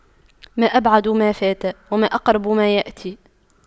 ما أبعد ما فات وما أقرب ما يأتي